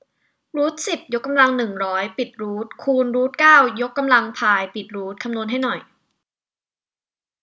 รูทสิบยกกำลังหนึ่งร้อยปิดรูทคูณรูทเก้ายกกำลังพายปิดรูทคำนวณให้หน่อย